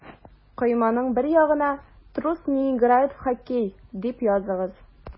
Койманың бер ягына «Трус не играет в хоккей» дип языгыз.